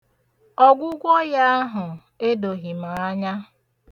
Ọgwụgwọ ya ahụ edoghị m anya.